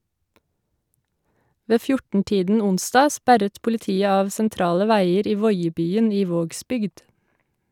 Ved 14 tiden onsdag sperret politiet av sentrale veier i Voiebyen i Vågsbygd.